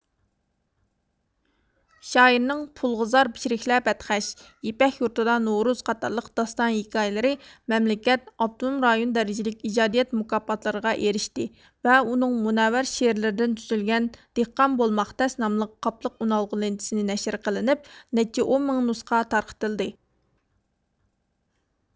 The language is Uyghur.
شائىرنىڭ پۇلغا زار چىرىكلەر بەدخەچ يىپەك يۇرتىدا نورۇز قاتارلىق داستان ھېكايىلىرى مەملىكەت ئاپتونۇم رايون دەرىجىلىك ئىجادىيەت مۇكاپاتلىرىغا ئېرىشتى ۋە ئۇنىڭ مۇنەۋۋەر شىئېرلىردىن تۈزۈلگەن دېھقان بولماق تەس ناملىق قاپلىق ئۈنئالغۇ لېنتىسى نەشىر قىلنىپ نەچچە ئون مىڭ نۇسخا تارقىتىلدى